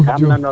Diouf Diouf